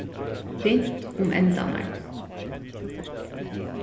bint um endarnar